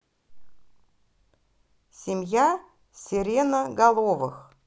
семья сиреноголовых